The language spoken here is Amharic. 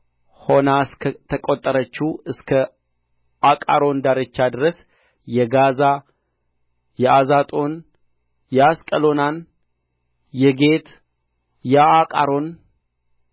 ሆና እስከ ተቈጠረችው እስከ አቃሮን ዳርቻ ድረስ የጋዛ የአዛጦን የአስቀሎና የጌት የአቃሮን